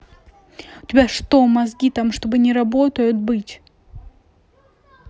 у тебя что мозги там чтобы не работают быть